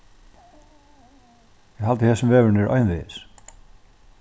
eg haldi hesin vegurin er einvegis